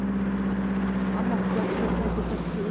ammo kuzatishlar shuni ko'rsatadiki ular